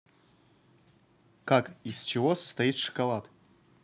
как из чего состоит шоколад